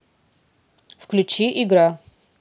включи игра